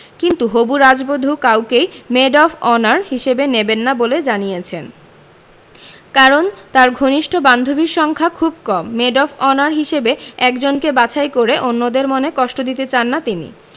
কিন্তু হবু রাজবধূ কাউকেই মেড অব অনার হিসেবে নেবেন না বলে জানিয়েছেন কারণ তাঁর ঘনিষ্ঠ বান্ধবীর সংখ্যা খুব কম মেড অব অনার হিসেবে একজনকে বাছাই করে অন্যদের মনে কষ্ট দিতে চান না তিনি